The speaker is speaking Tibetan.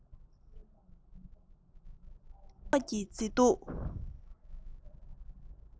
སྐར ཚོགས ཀྱི མཛེས སྡུག